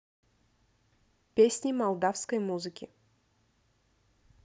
песни молдавской музыки